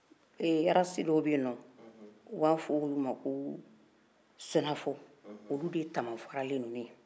ee arasi dɔw bɛ yen nɔ u b' a fɔ oluw ko sɛnɛfɔw oluw de ye tamafaralen ninnuw ye